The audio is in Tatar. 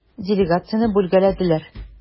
Делегацияне бүлгәләделәр.